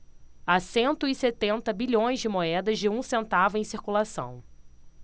há cento e setenta bilhões de moedas de um centavo em circulação